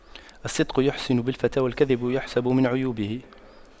الصدق يحسن بالفتى والكذب يحسب من عيوبه